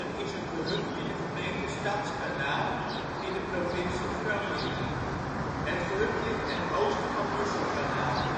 is een gehucht in de gemeente Stadskanaal in de provincie Groningen. Het gehucht ligt ten oosten van Musselkanaal